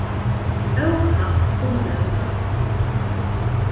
óhapp kunnu henda